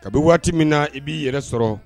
Kabi waati min na i b'i yɛrɛ sɔrɔ